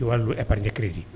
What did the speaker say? ci wàllu épargne crédit